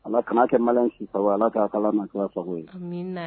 Ala kana kɛ malo sisansa ala k'a ala na sago ye